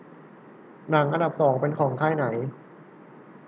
หนังอันดับสองเป็นของค่ายไหน